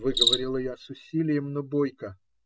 - выговорила я с усилием, но бойко.